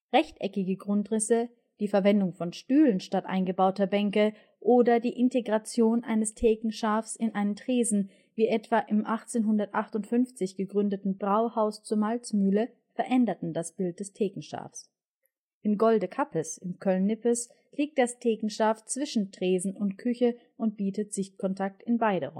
Rechteckige Grundrisse, die Verwendung von Stühlen statt eingebauter Bänke oder die Integration eines Thekenschaafs in einen Tresen, wie etwa im 1858 gegründeten Brauhaus zur Malzmühle, veränderten das Bild des Thekenschaafs. Im Golde Kappes, Köln-Nippes, liegt das Thekenschaaf zwischen Tresen und Küche und bietet Sichtkontakt in beide